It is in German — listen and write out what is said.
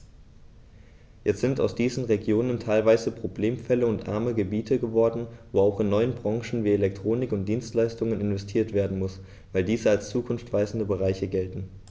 Jetzt sind aus diesen Regionen teilweise Problemfälle und arme Gebiete geworden, wo auch in neue Branchen wie Elektronik und Dienstleistungen investiert werden muss, weil diese als zukunftsweisende Bereiche gelten.